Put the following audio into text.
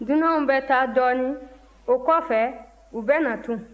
dunan bɛ taa dɔɔnin o kɔ fɛ u bɛ na tun